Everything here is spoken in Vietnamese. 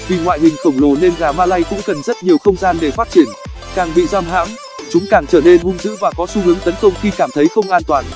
vì ngoại hình khổng lồ nên gà malay cũng cần rất nhiều không gian để phát triển càng bị giam hãm chúng càng trở nên hung dữ và có xu hướng tấn công khi cảm thấy không an toàn